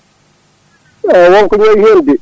eyyi wonko ñaawi hen de